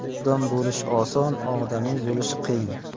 odam bo'lish oson odamiy bo'lish qiyin